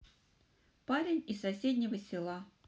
парень из соседнего села